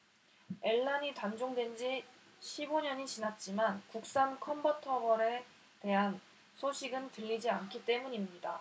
엘란이 단종된 지 십 오 년이 지났지만 국산 컨버터블에 대한 소식은 들리지 않기 때문입니다